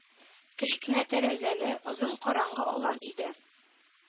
Кечкенә тәрәзәле, озын, караңгы алан иде.